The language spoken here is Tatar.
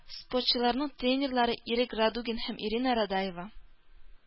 Спортчыларның тренерлары - Ирек Радугин һәм Ирина Радаева.